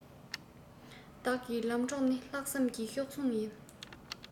བདག གི ལམ གྲོགས ནི ལྷག བསམ གྱི གཤོག ཟུང ཡིན